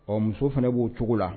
Ɔ muso fana b'o cogo la